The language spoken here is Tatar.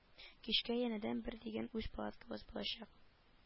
Кичкә янәдән бер дигән үз палаткабыз булачак